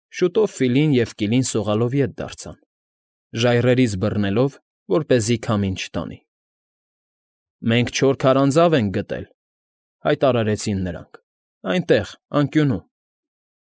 Շուտով Ֆիլին ու Կիլին սողալով ետ դարձան, ժայռերից բռնելով, որպեսզի քամին չտանի։ ֊ Մենք չորս քարանձավ ենք գտել,֊ հայտարարեցին նրանք,֊ այստեղ, անկյունում։